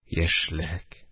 Яшьлек!